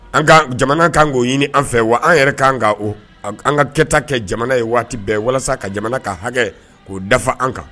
An ka jamana kan k'o ɲini an fɛ wa an yɛrɛ kan ka an ka kɛta kɛ jamana ye waati bɛɛ walasa ka jamana ka hakɛ k'o dafa an kan